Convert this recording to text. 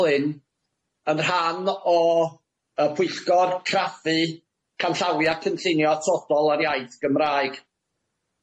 Glyn yn rhan o y pwyllgor craffu canllawia cynllunio atodol ar iaith Gymraeg.